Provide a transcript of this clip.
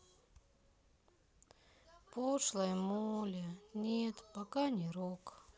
пошлая молли нет пока не рок